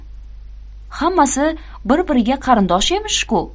hammasi bir biriga qarindosh emish ku